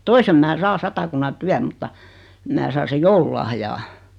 toisen minä saan Satakunnan Työn mutta minä saan sen joululahjaa